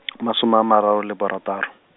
masoma a mararo le borataro.